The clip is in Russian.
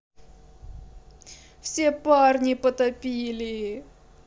все парни потопили